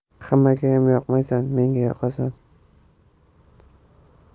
hammagayam yoqmaysan menga yoqasan